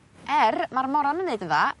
Er ma'r moron yn neud yn dda.